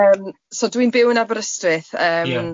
Yym so dwi'n byw yn Aberystwyth yym... Ie.